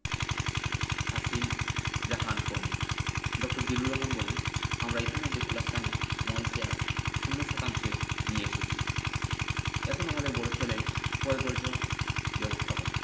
হাসিন জাহান প্রমুখ ড. বলেন জিল্লুর রহমান আমরা ইতিমধ্যে খোলা স্থানে মলত্যাগ শূন্য শতাংশে নিয়ে এসেছি এখন আমাদের বড় চ্যালেঞ্জ পয়ঃবর্জ্য ব্যবস্থাপনা